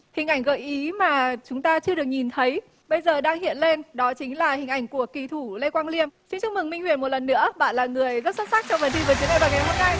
hình ảnh gợi ý mà chúng ta chưa được nhìn thấy bây giờ đang hiện lên đó chính là hình ảnh của kỳ thủ lê quang liêm xin chúc mừng minh huyền một lần nữa bạn là người rất xuất sắc trong phần thi vượt chướng ngại vật